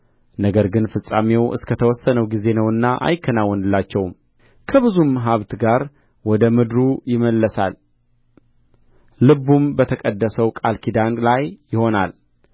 ነገር ግን ፍጻሜው እስከ ተወሰነው ጊዜ ነውና አይከናወንላቸውም ከብዙም ሀብት ጋር ወደ ምድሩ ይመለሳል ልቡም በተቀደሰ ቃል ኪዳን ላይ ይሆናል